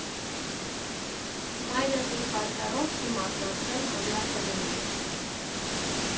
Մայրս իմ պատճառով չի մասնակցել հանրաքվեին։